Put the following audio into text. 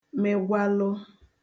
megwalụ